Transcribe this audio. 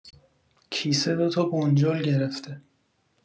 کیسه دوتا بنجل گرفته